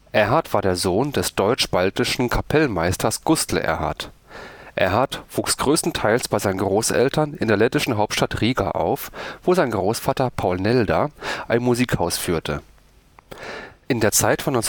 Erhardt war der Sohn des deutsch-baltischen Kapellmeisters Gustl Erhardt. Erhardt wuchs größtenteils bei seinen Großeltern in der lettischen Hauptstadt Riga auf, wo sein Großvater Paul Nelder ein Musikhaus führte. In der Zeit von